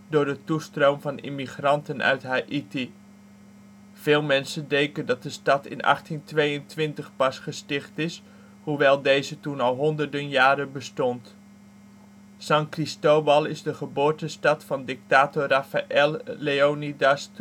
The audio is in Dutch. door de toestroom van immigranten uit Haïti. Veel mensen denken dat de stad in 1822 pas gesticht is, hoewel deze toen al honderden jaren bestond. San Cristóbal is de geboortestad van dictator Rafael Leónidas